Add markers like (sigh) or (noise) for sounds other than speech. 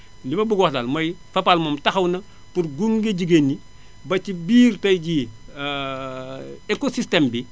li ma bëgg a wax daal mooy Fapal moom taxaw na pour gunge jigéen ñi ba ci biir tay jii (hesitation) écosystème bi